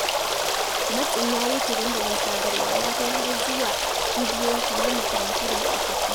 Matsin ya wuce dandalin sadarwa, ya kai har zuwa cibiyoyi kamar makarantu da ma'aikatu.